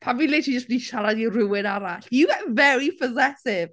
Pan fi literally jyst wedi siarad i rywun arall, you get very possessive.